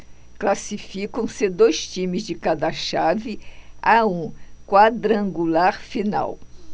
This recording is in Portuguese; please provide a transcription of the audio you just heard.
classificam-se dois times de cada chave a um quadrangular final